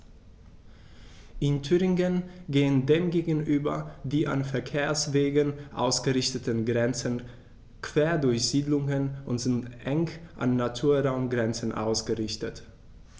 In Thüringen gehen dem gegenüber die an Verkehrswegen ausgerichteten Grenzen quer durch Siedlungen und sind eng an Naturraumgrenzen ausgerichtet.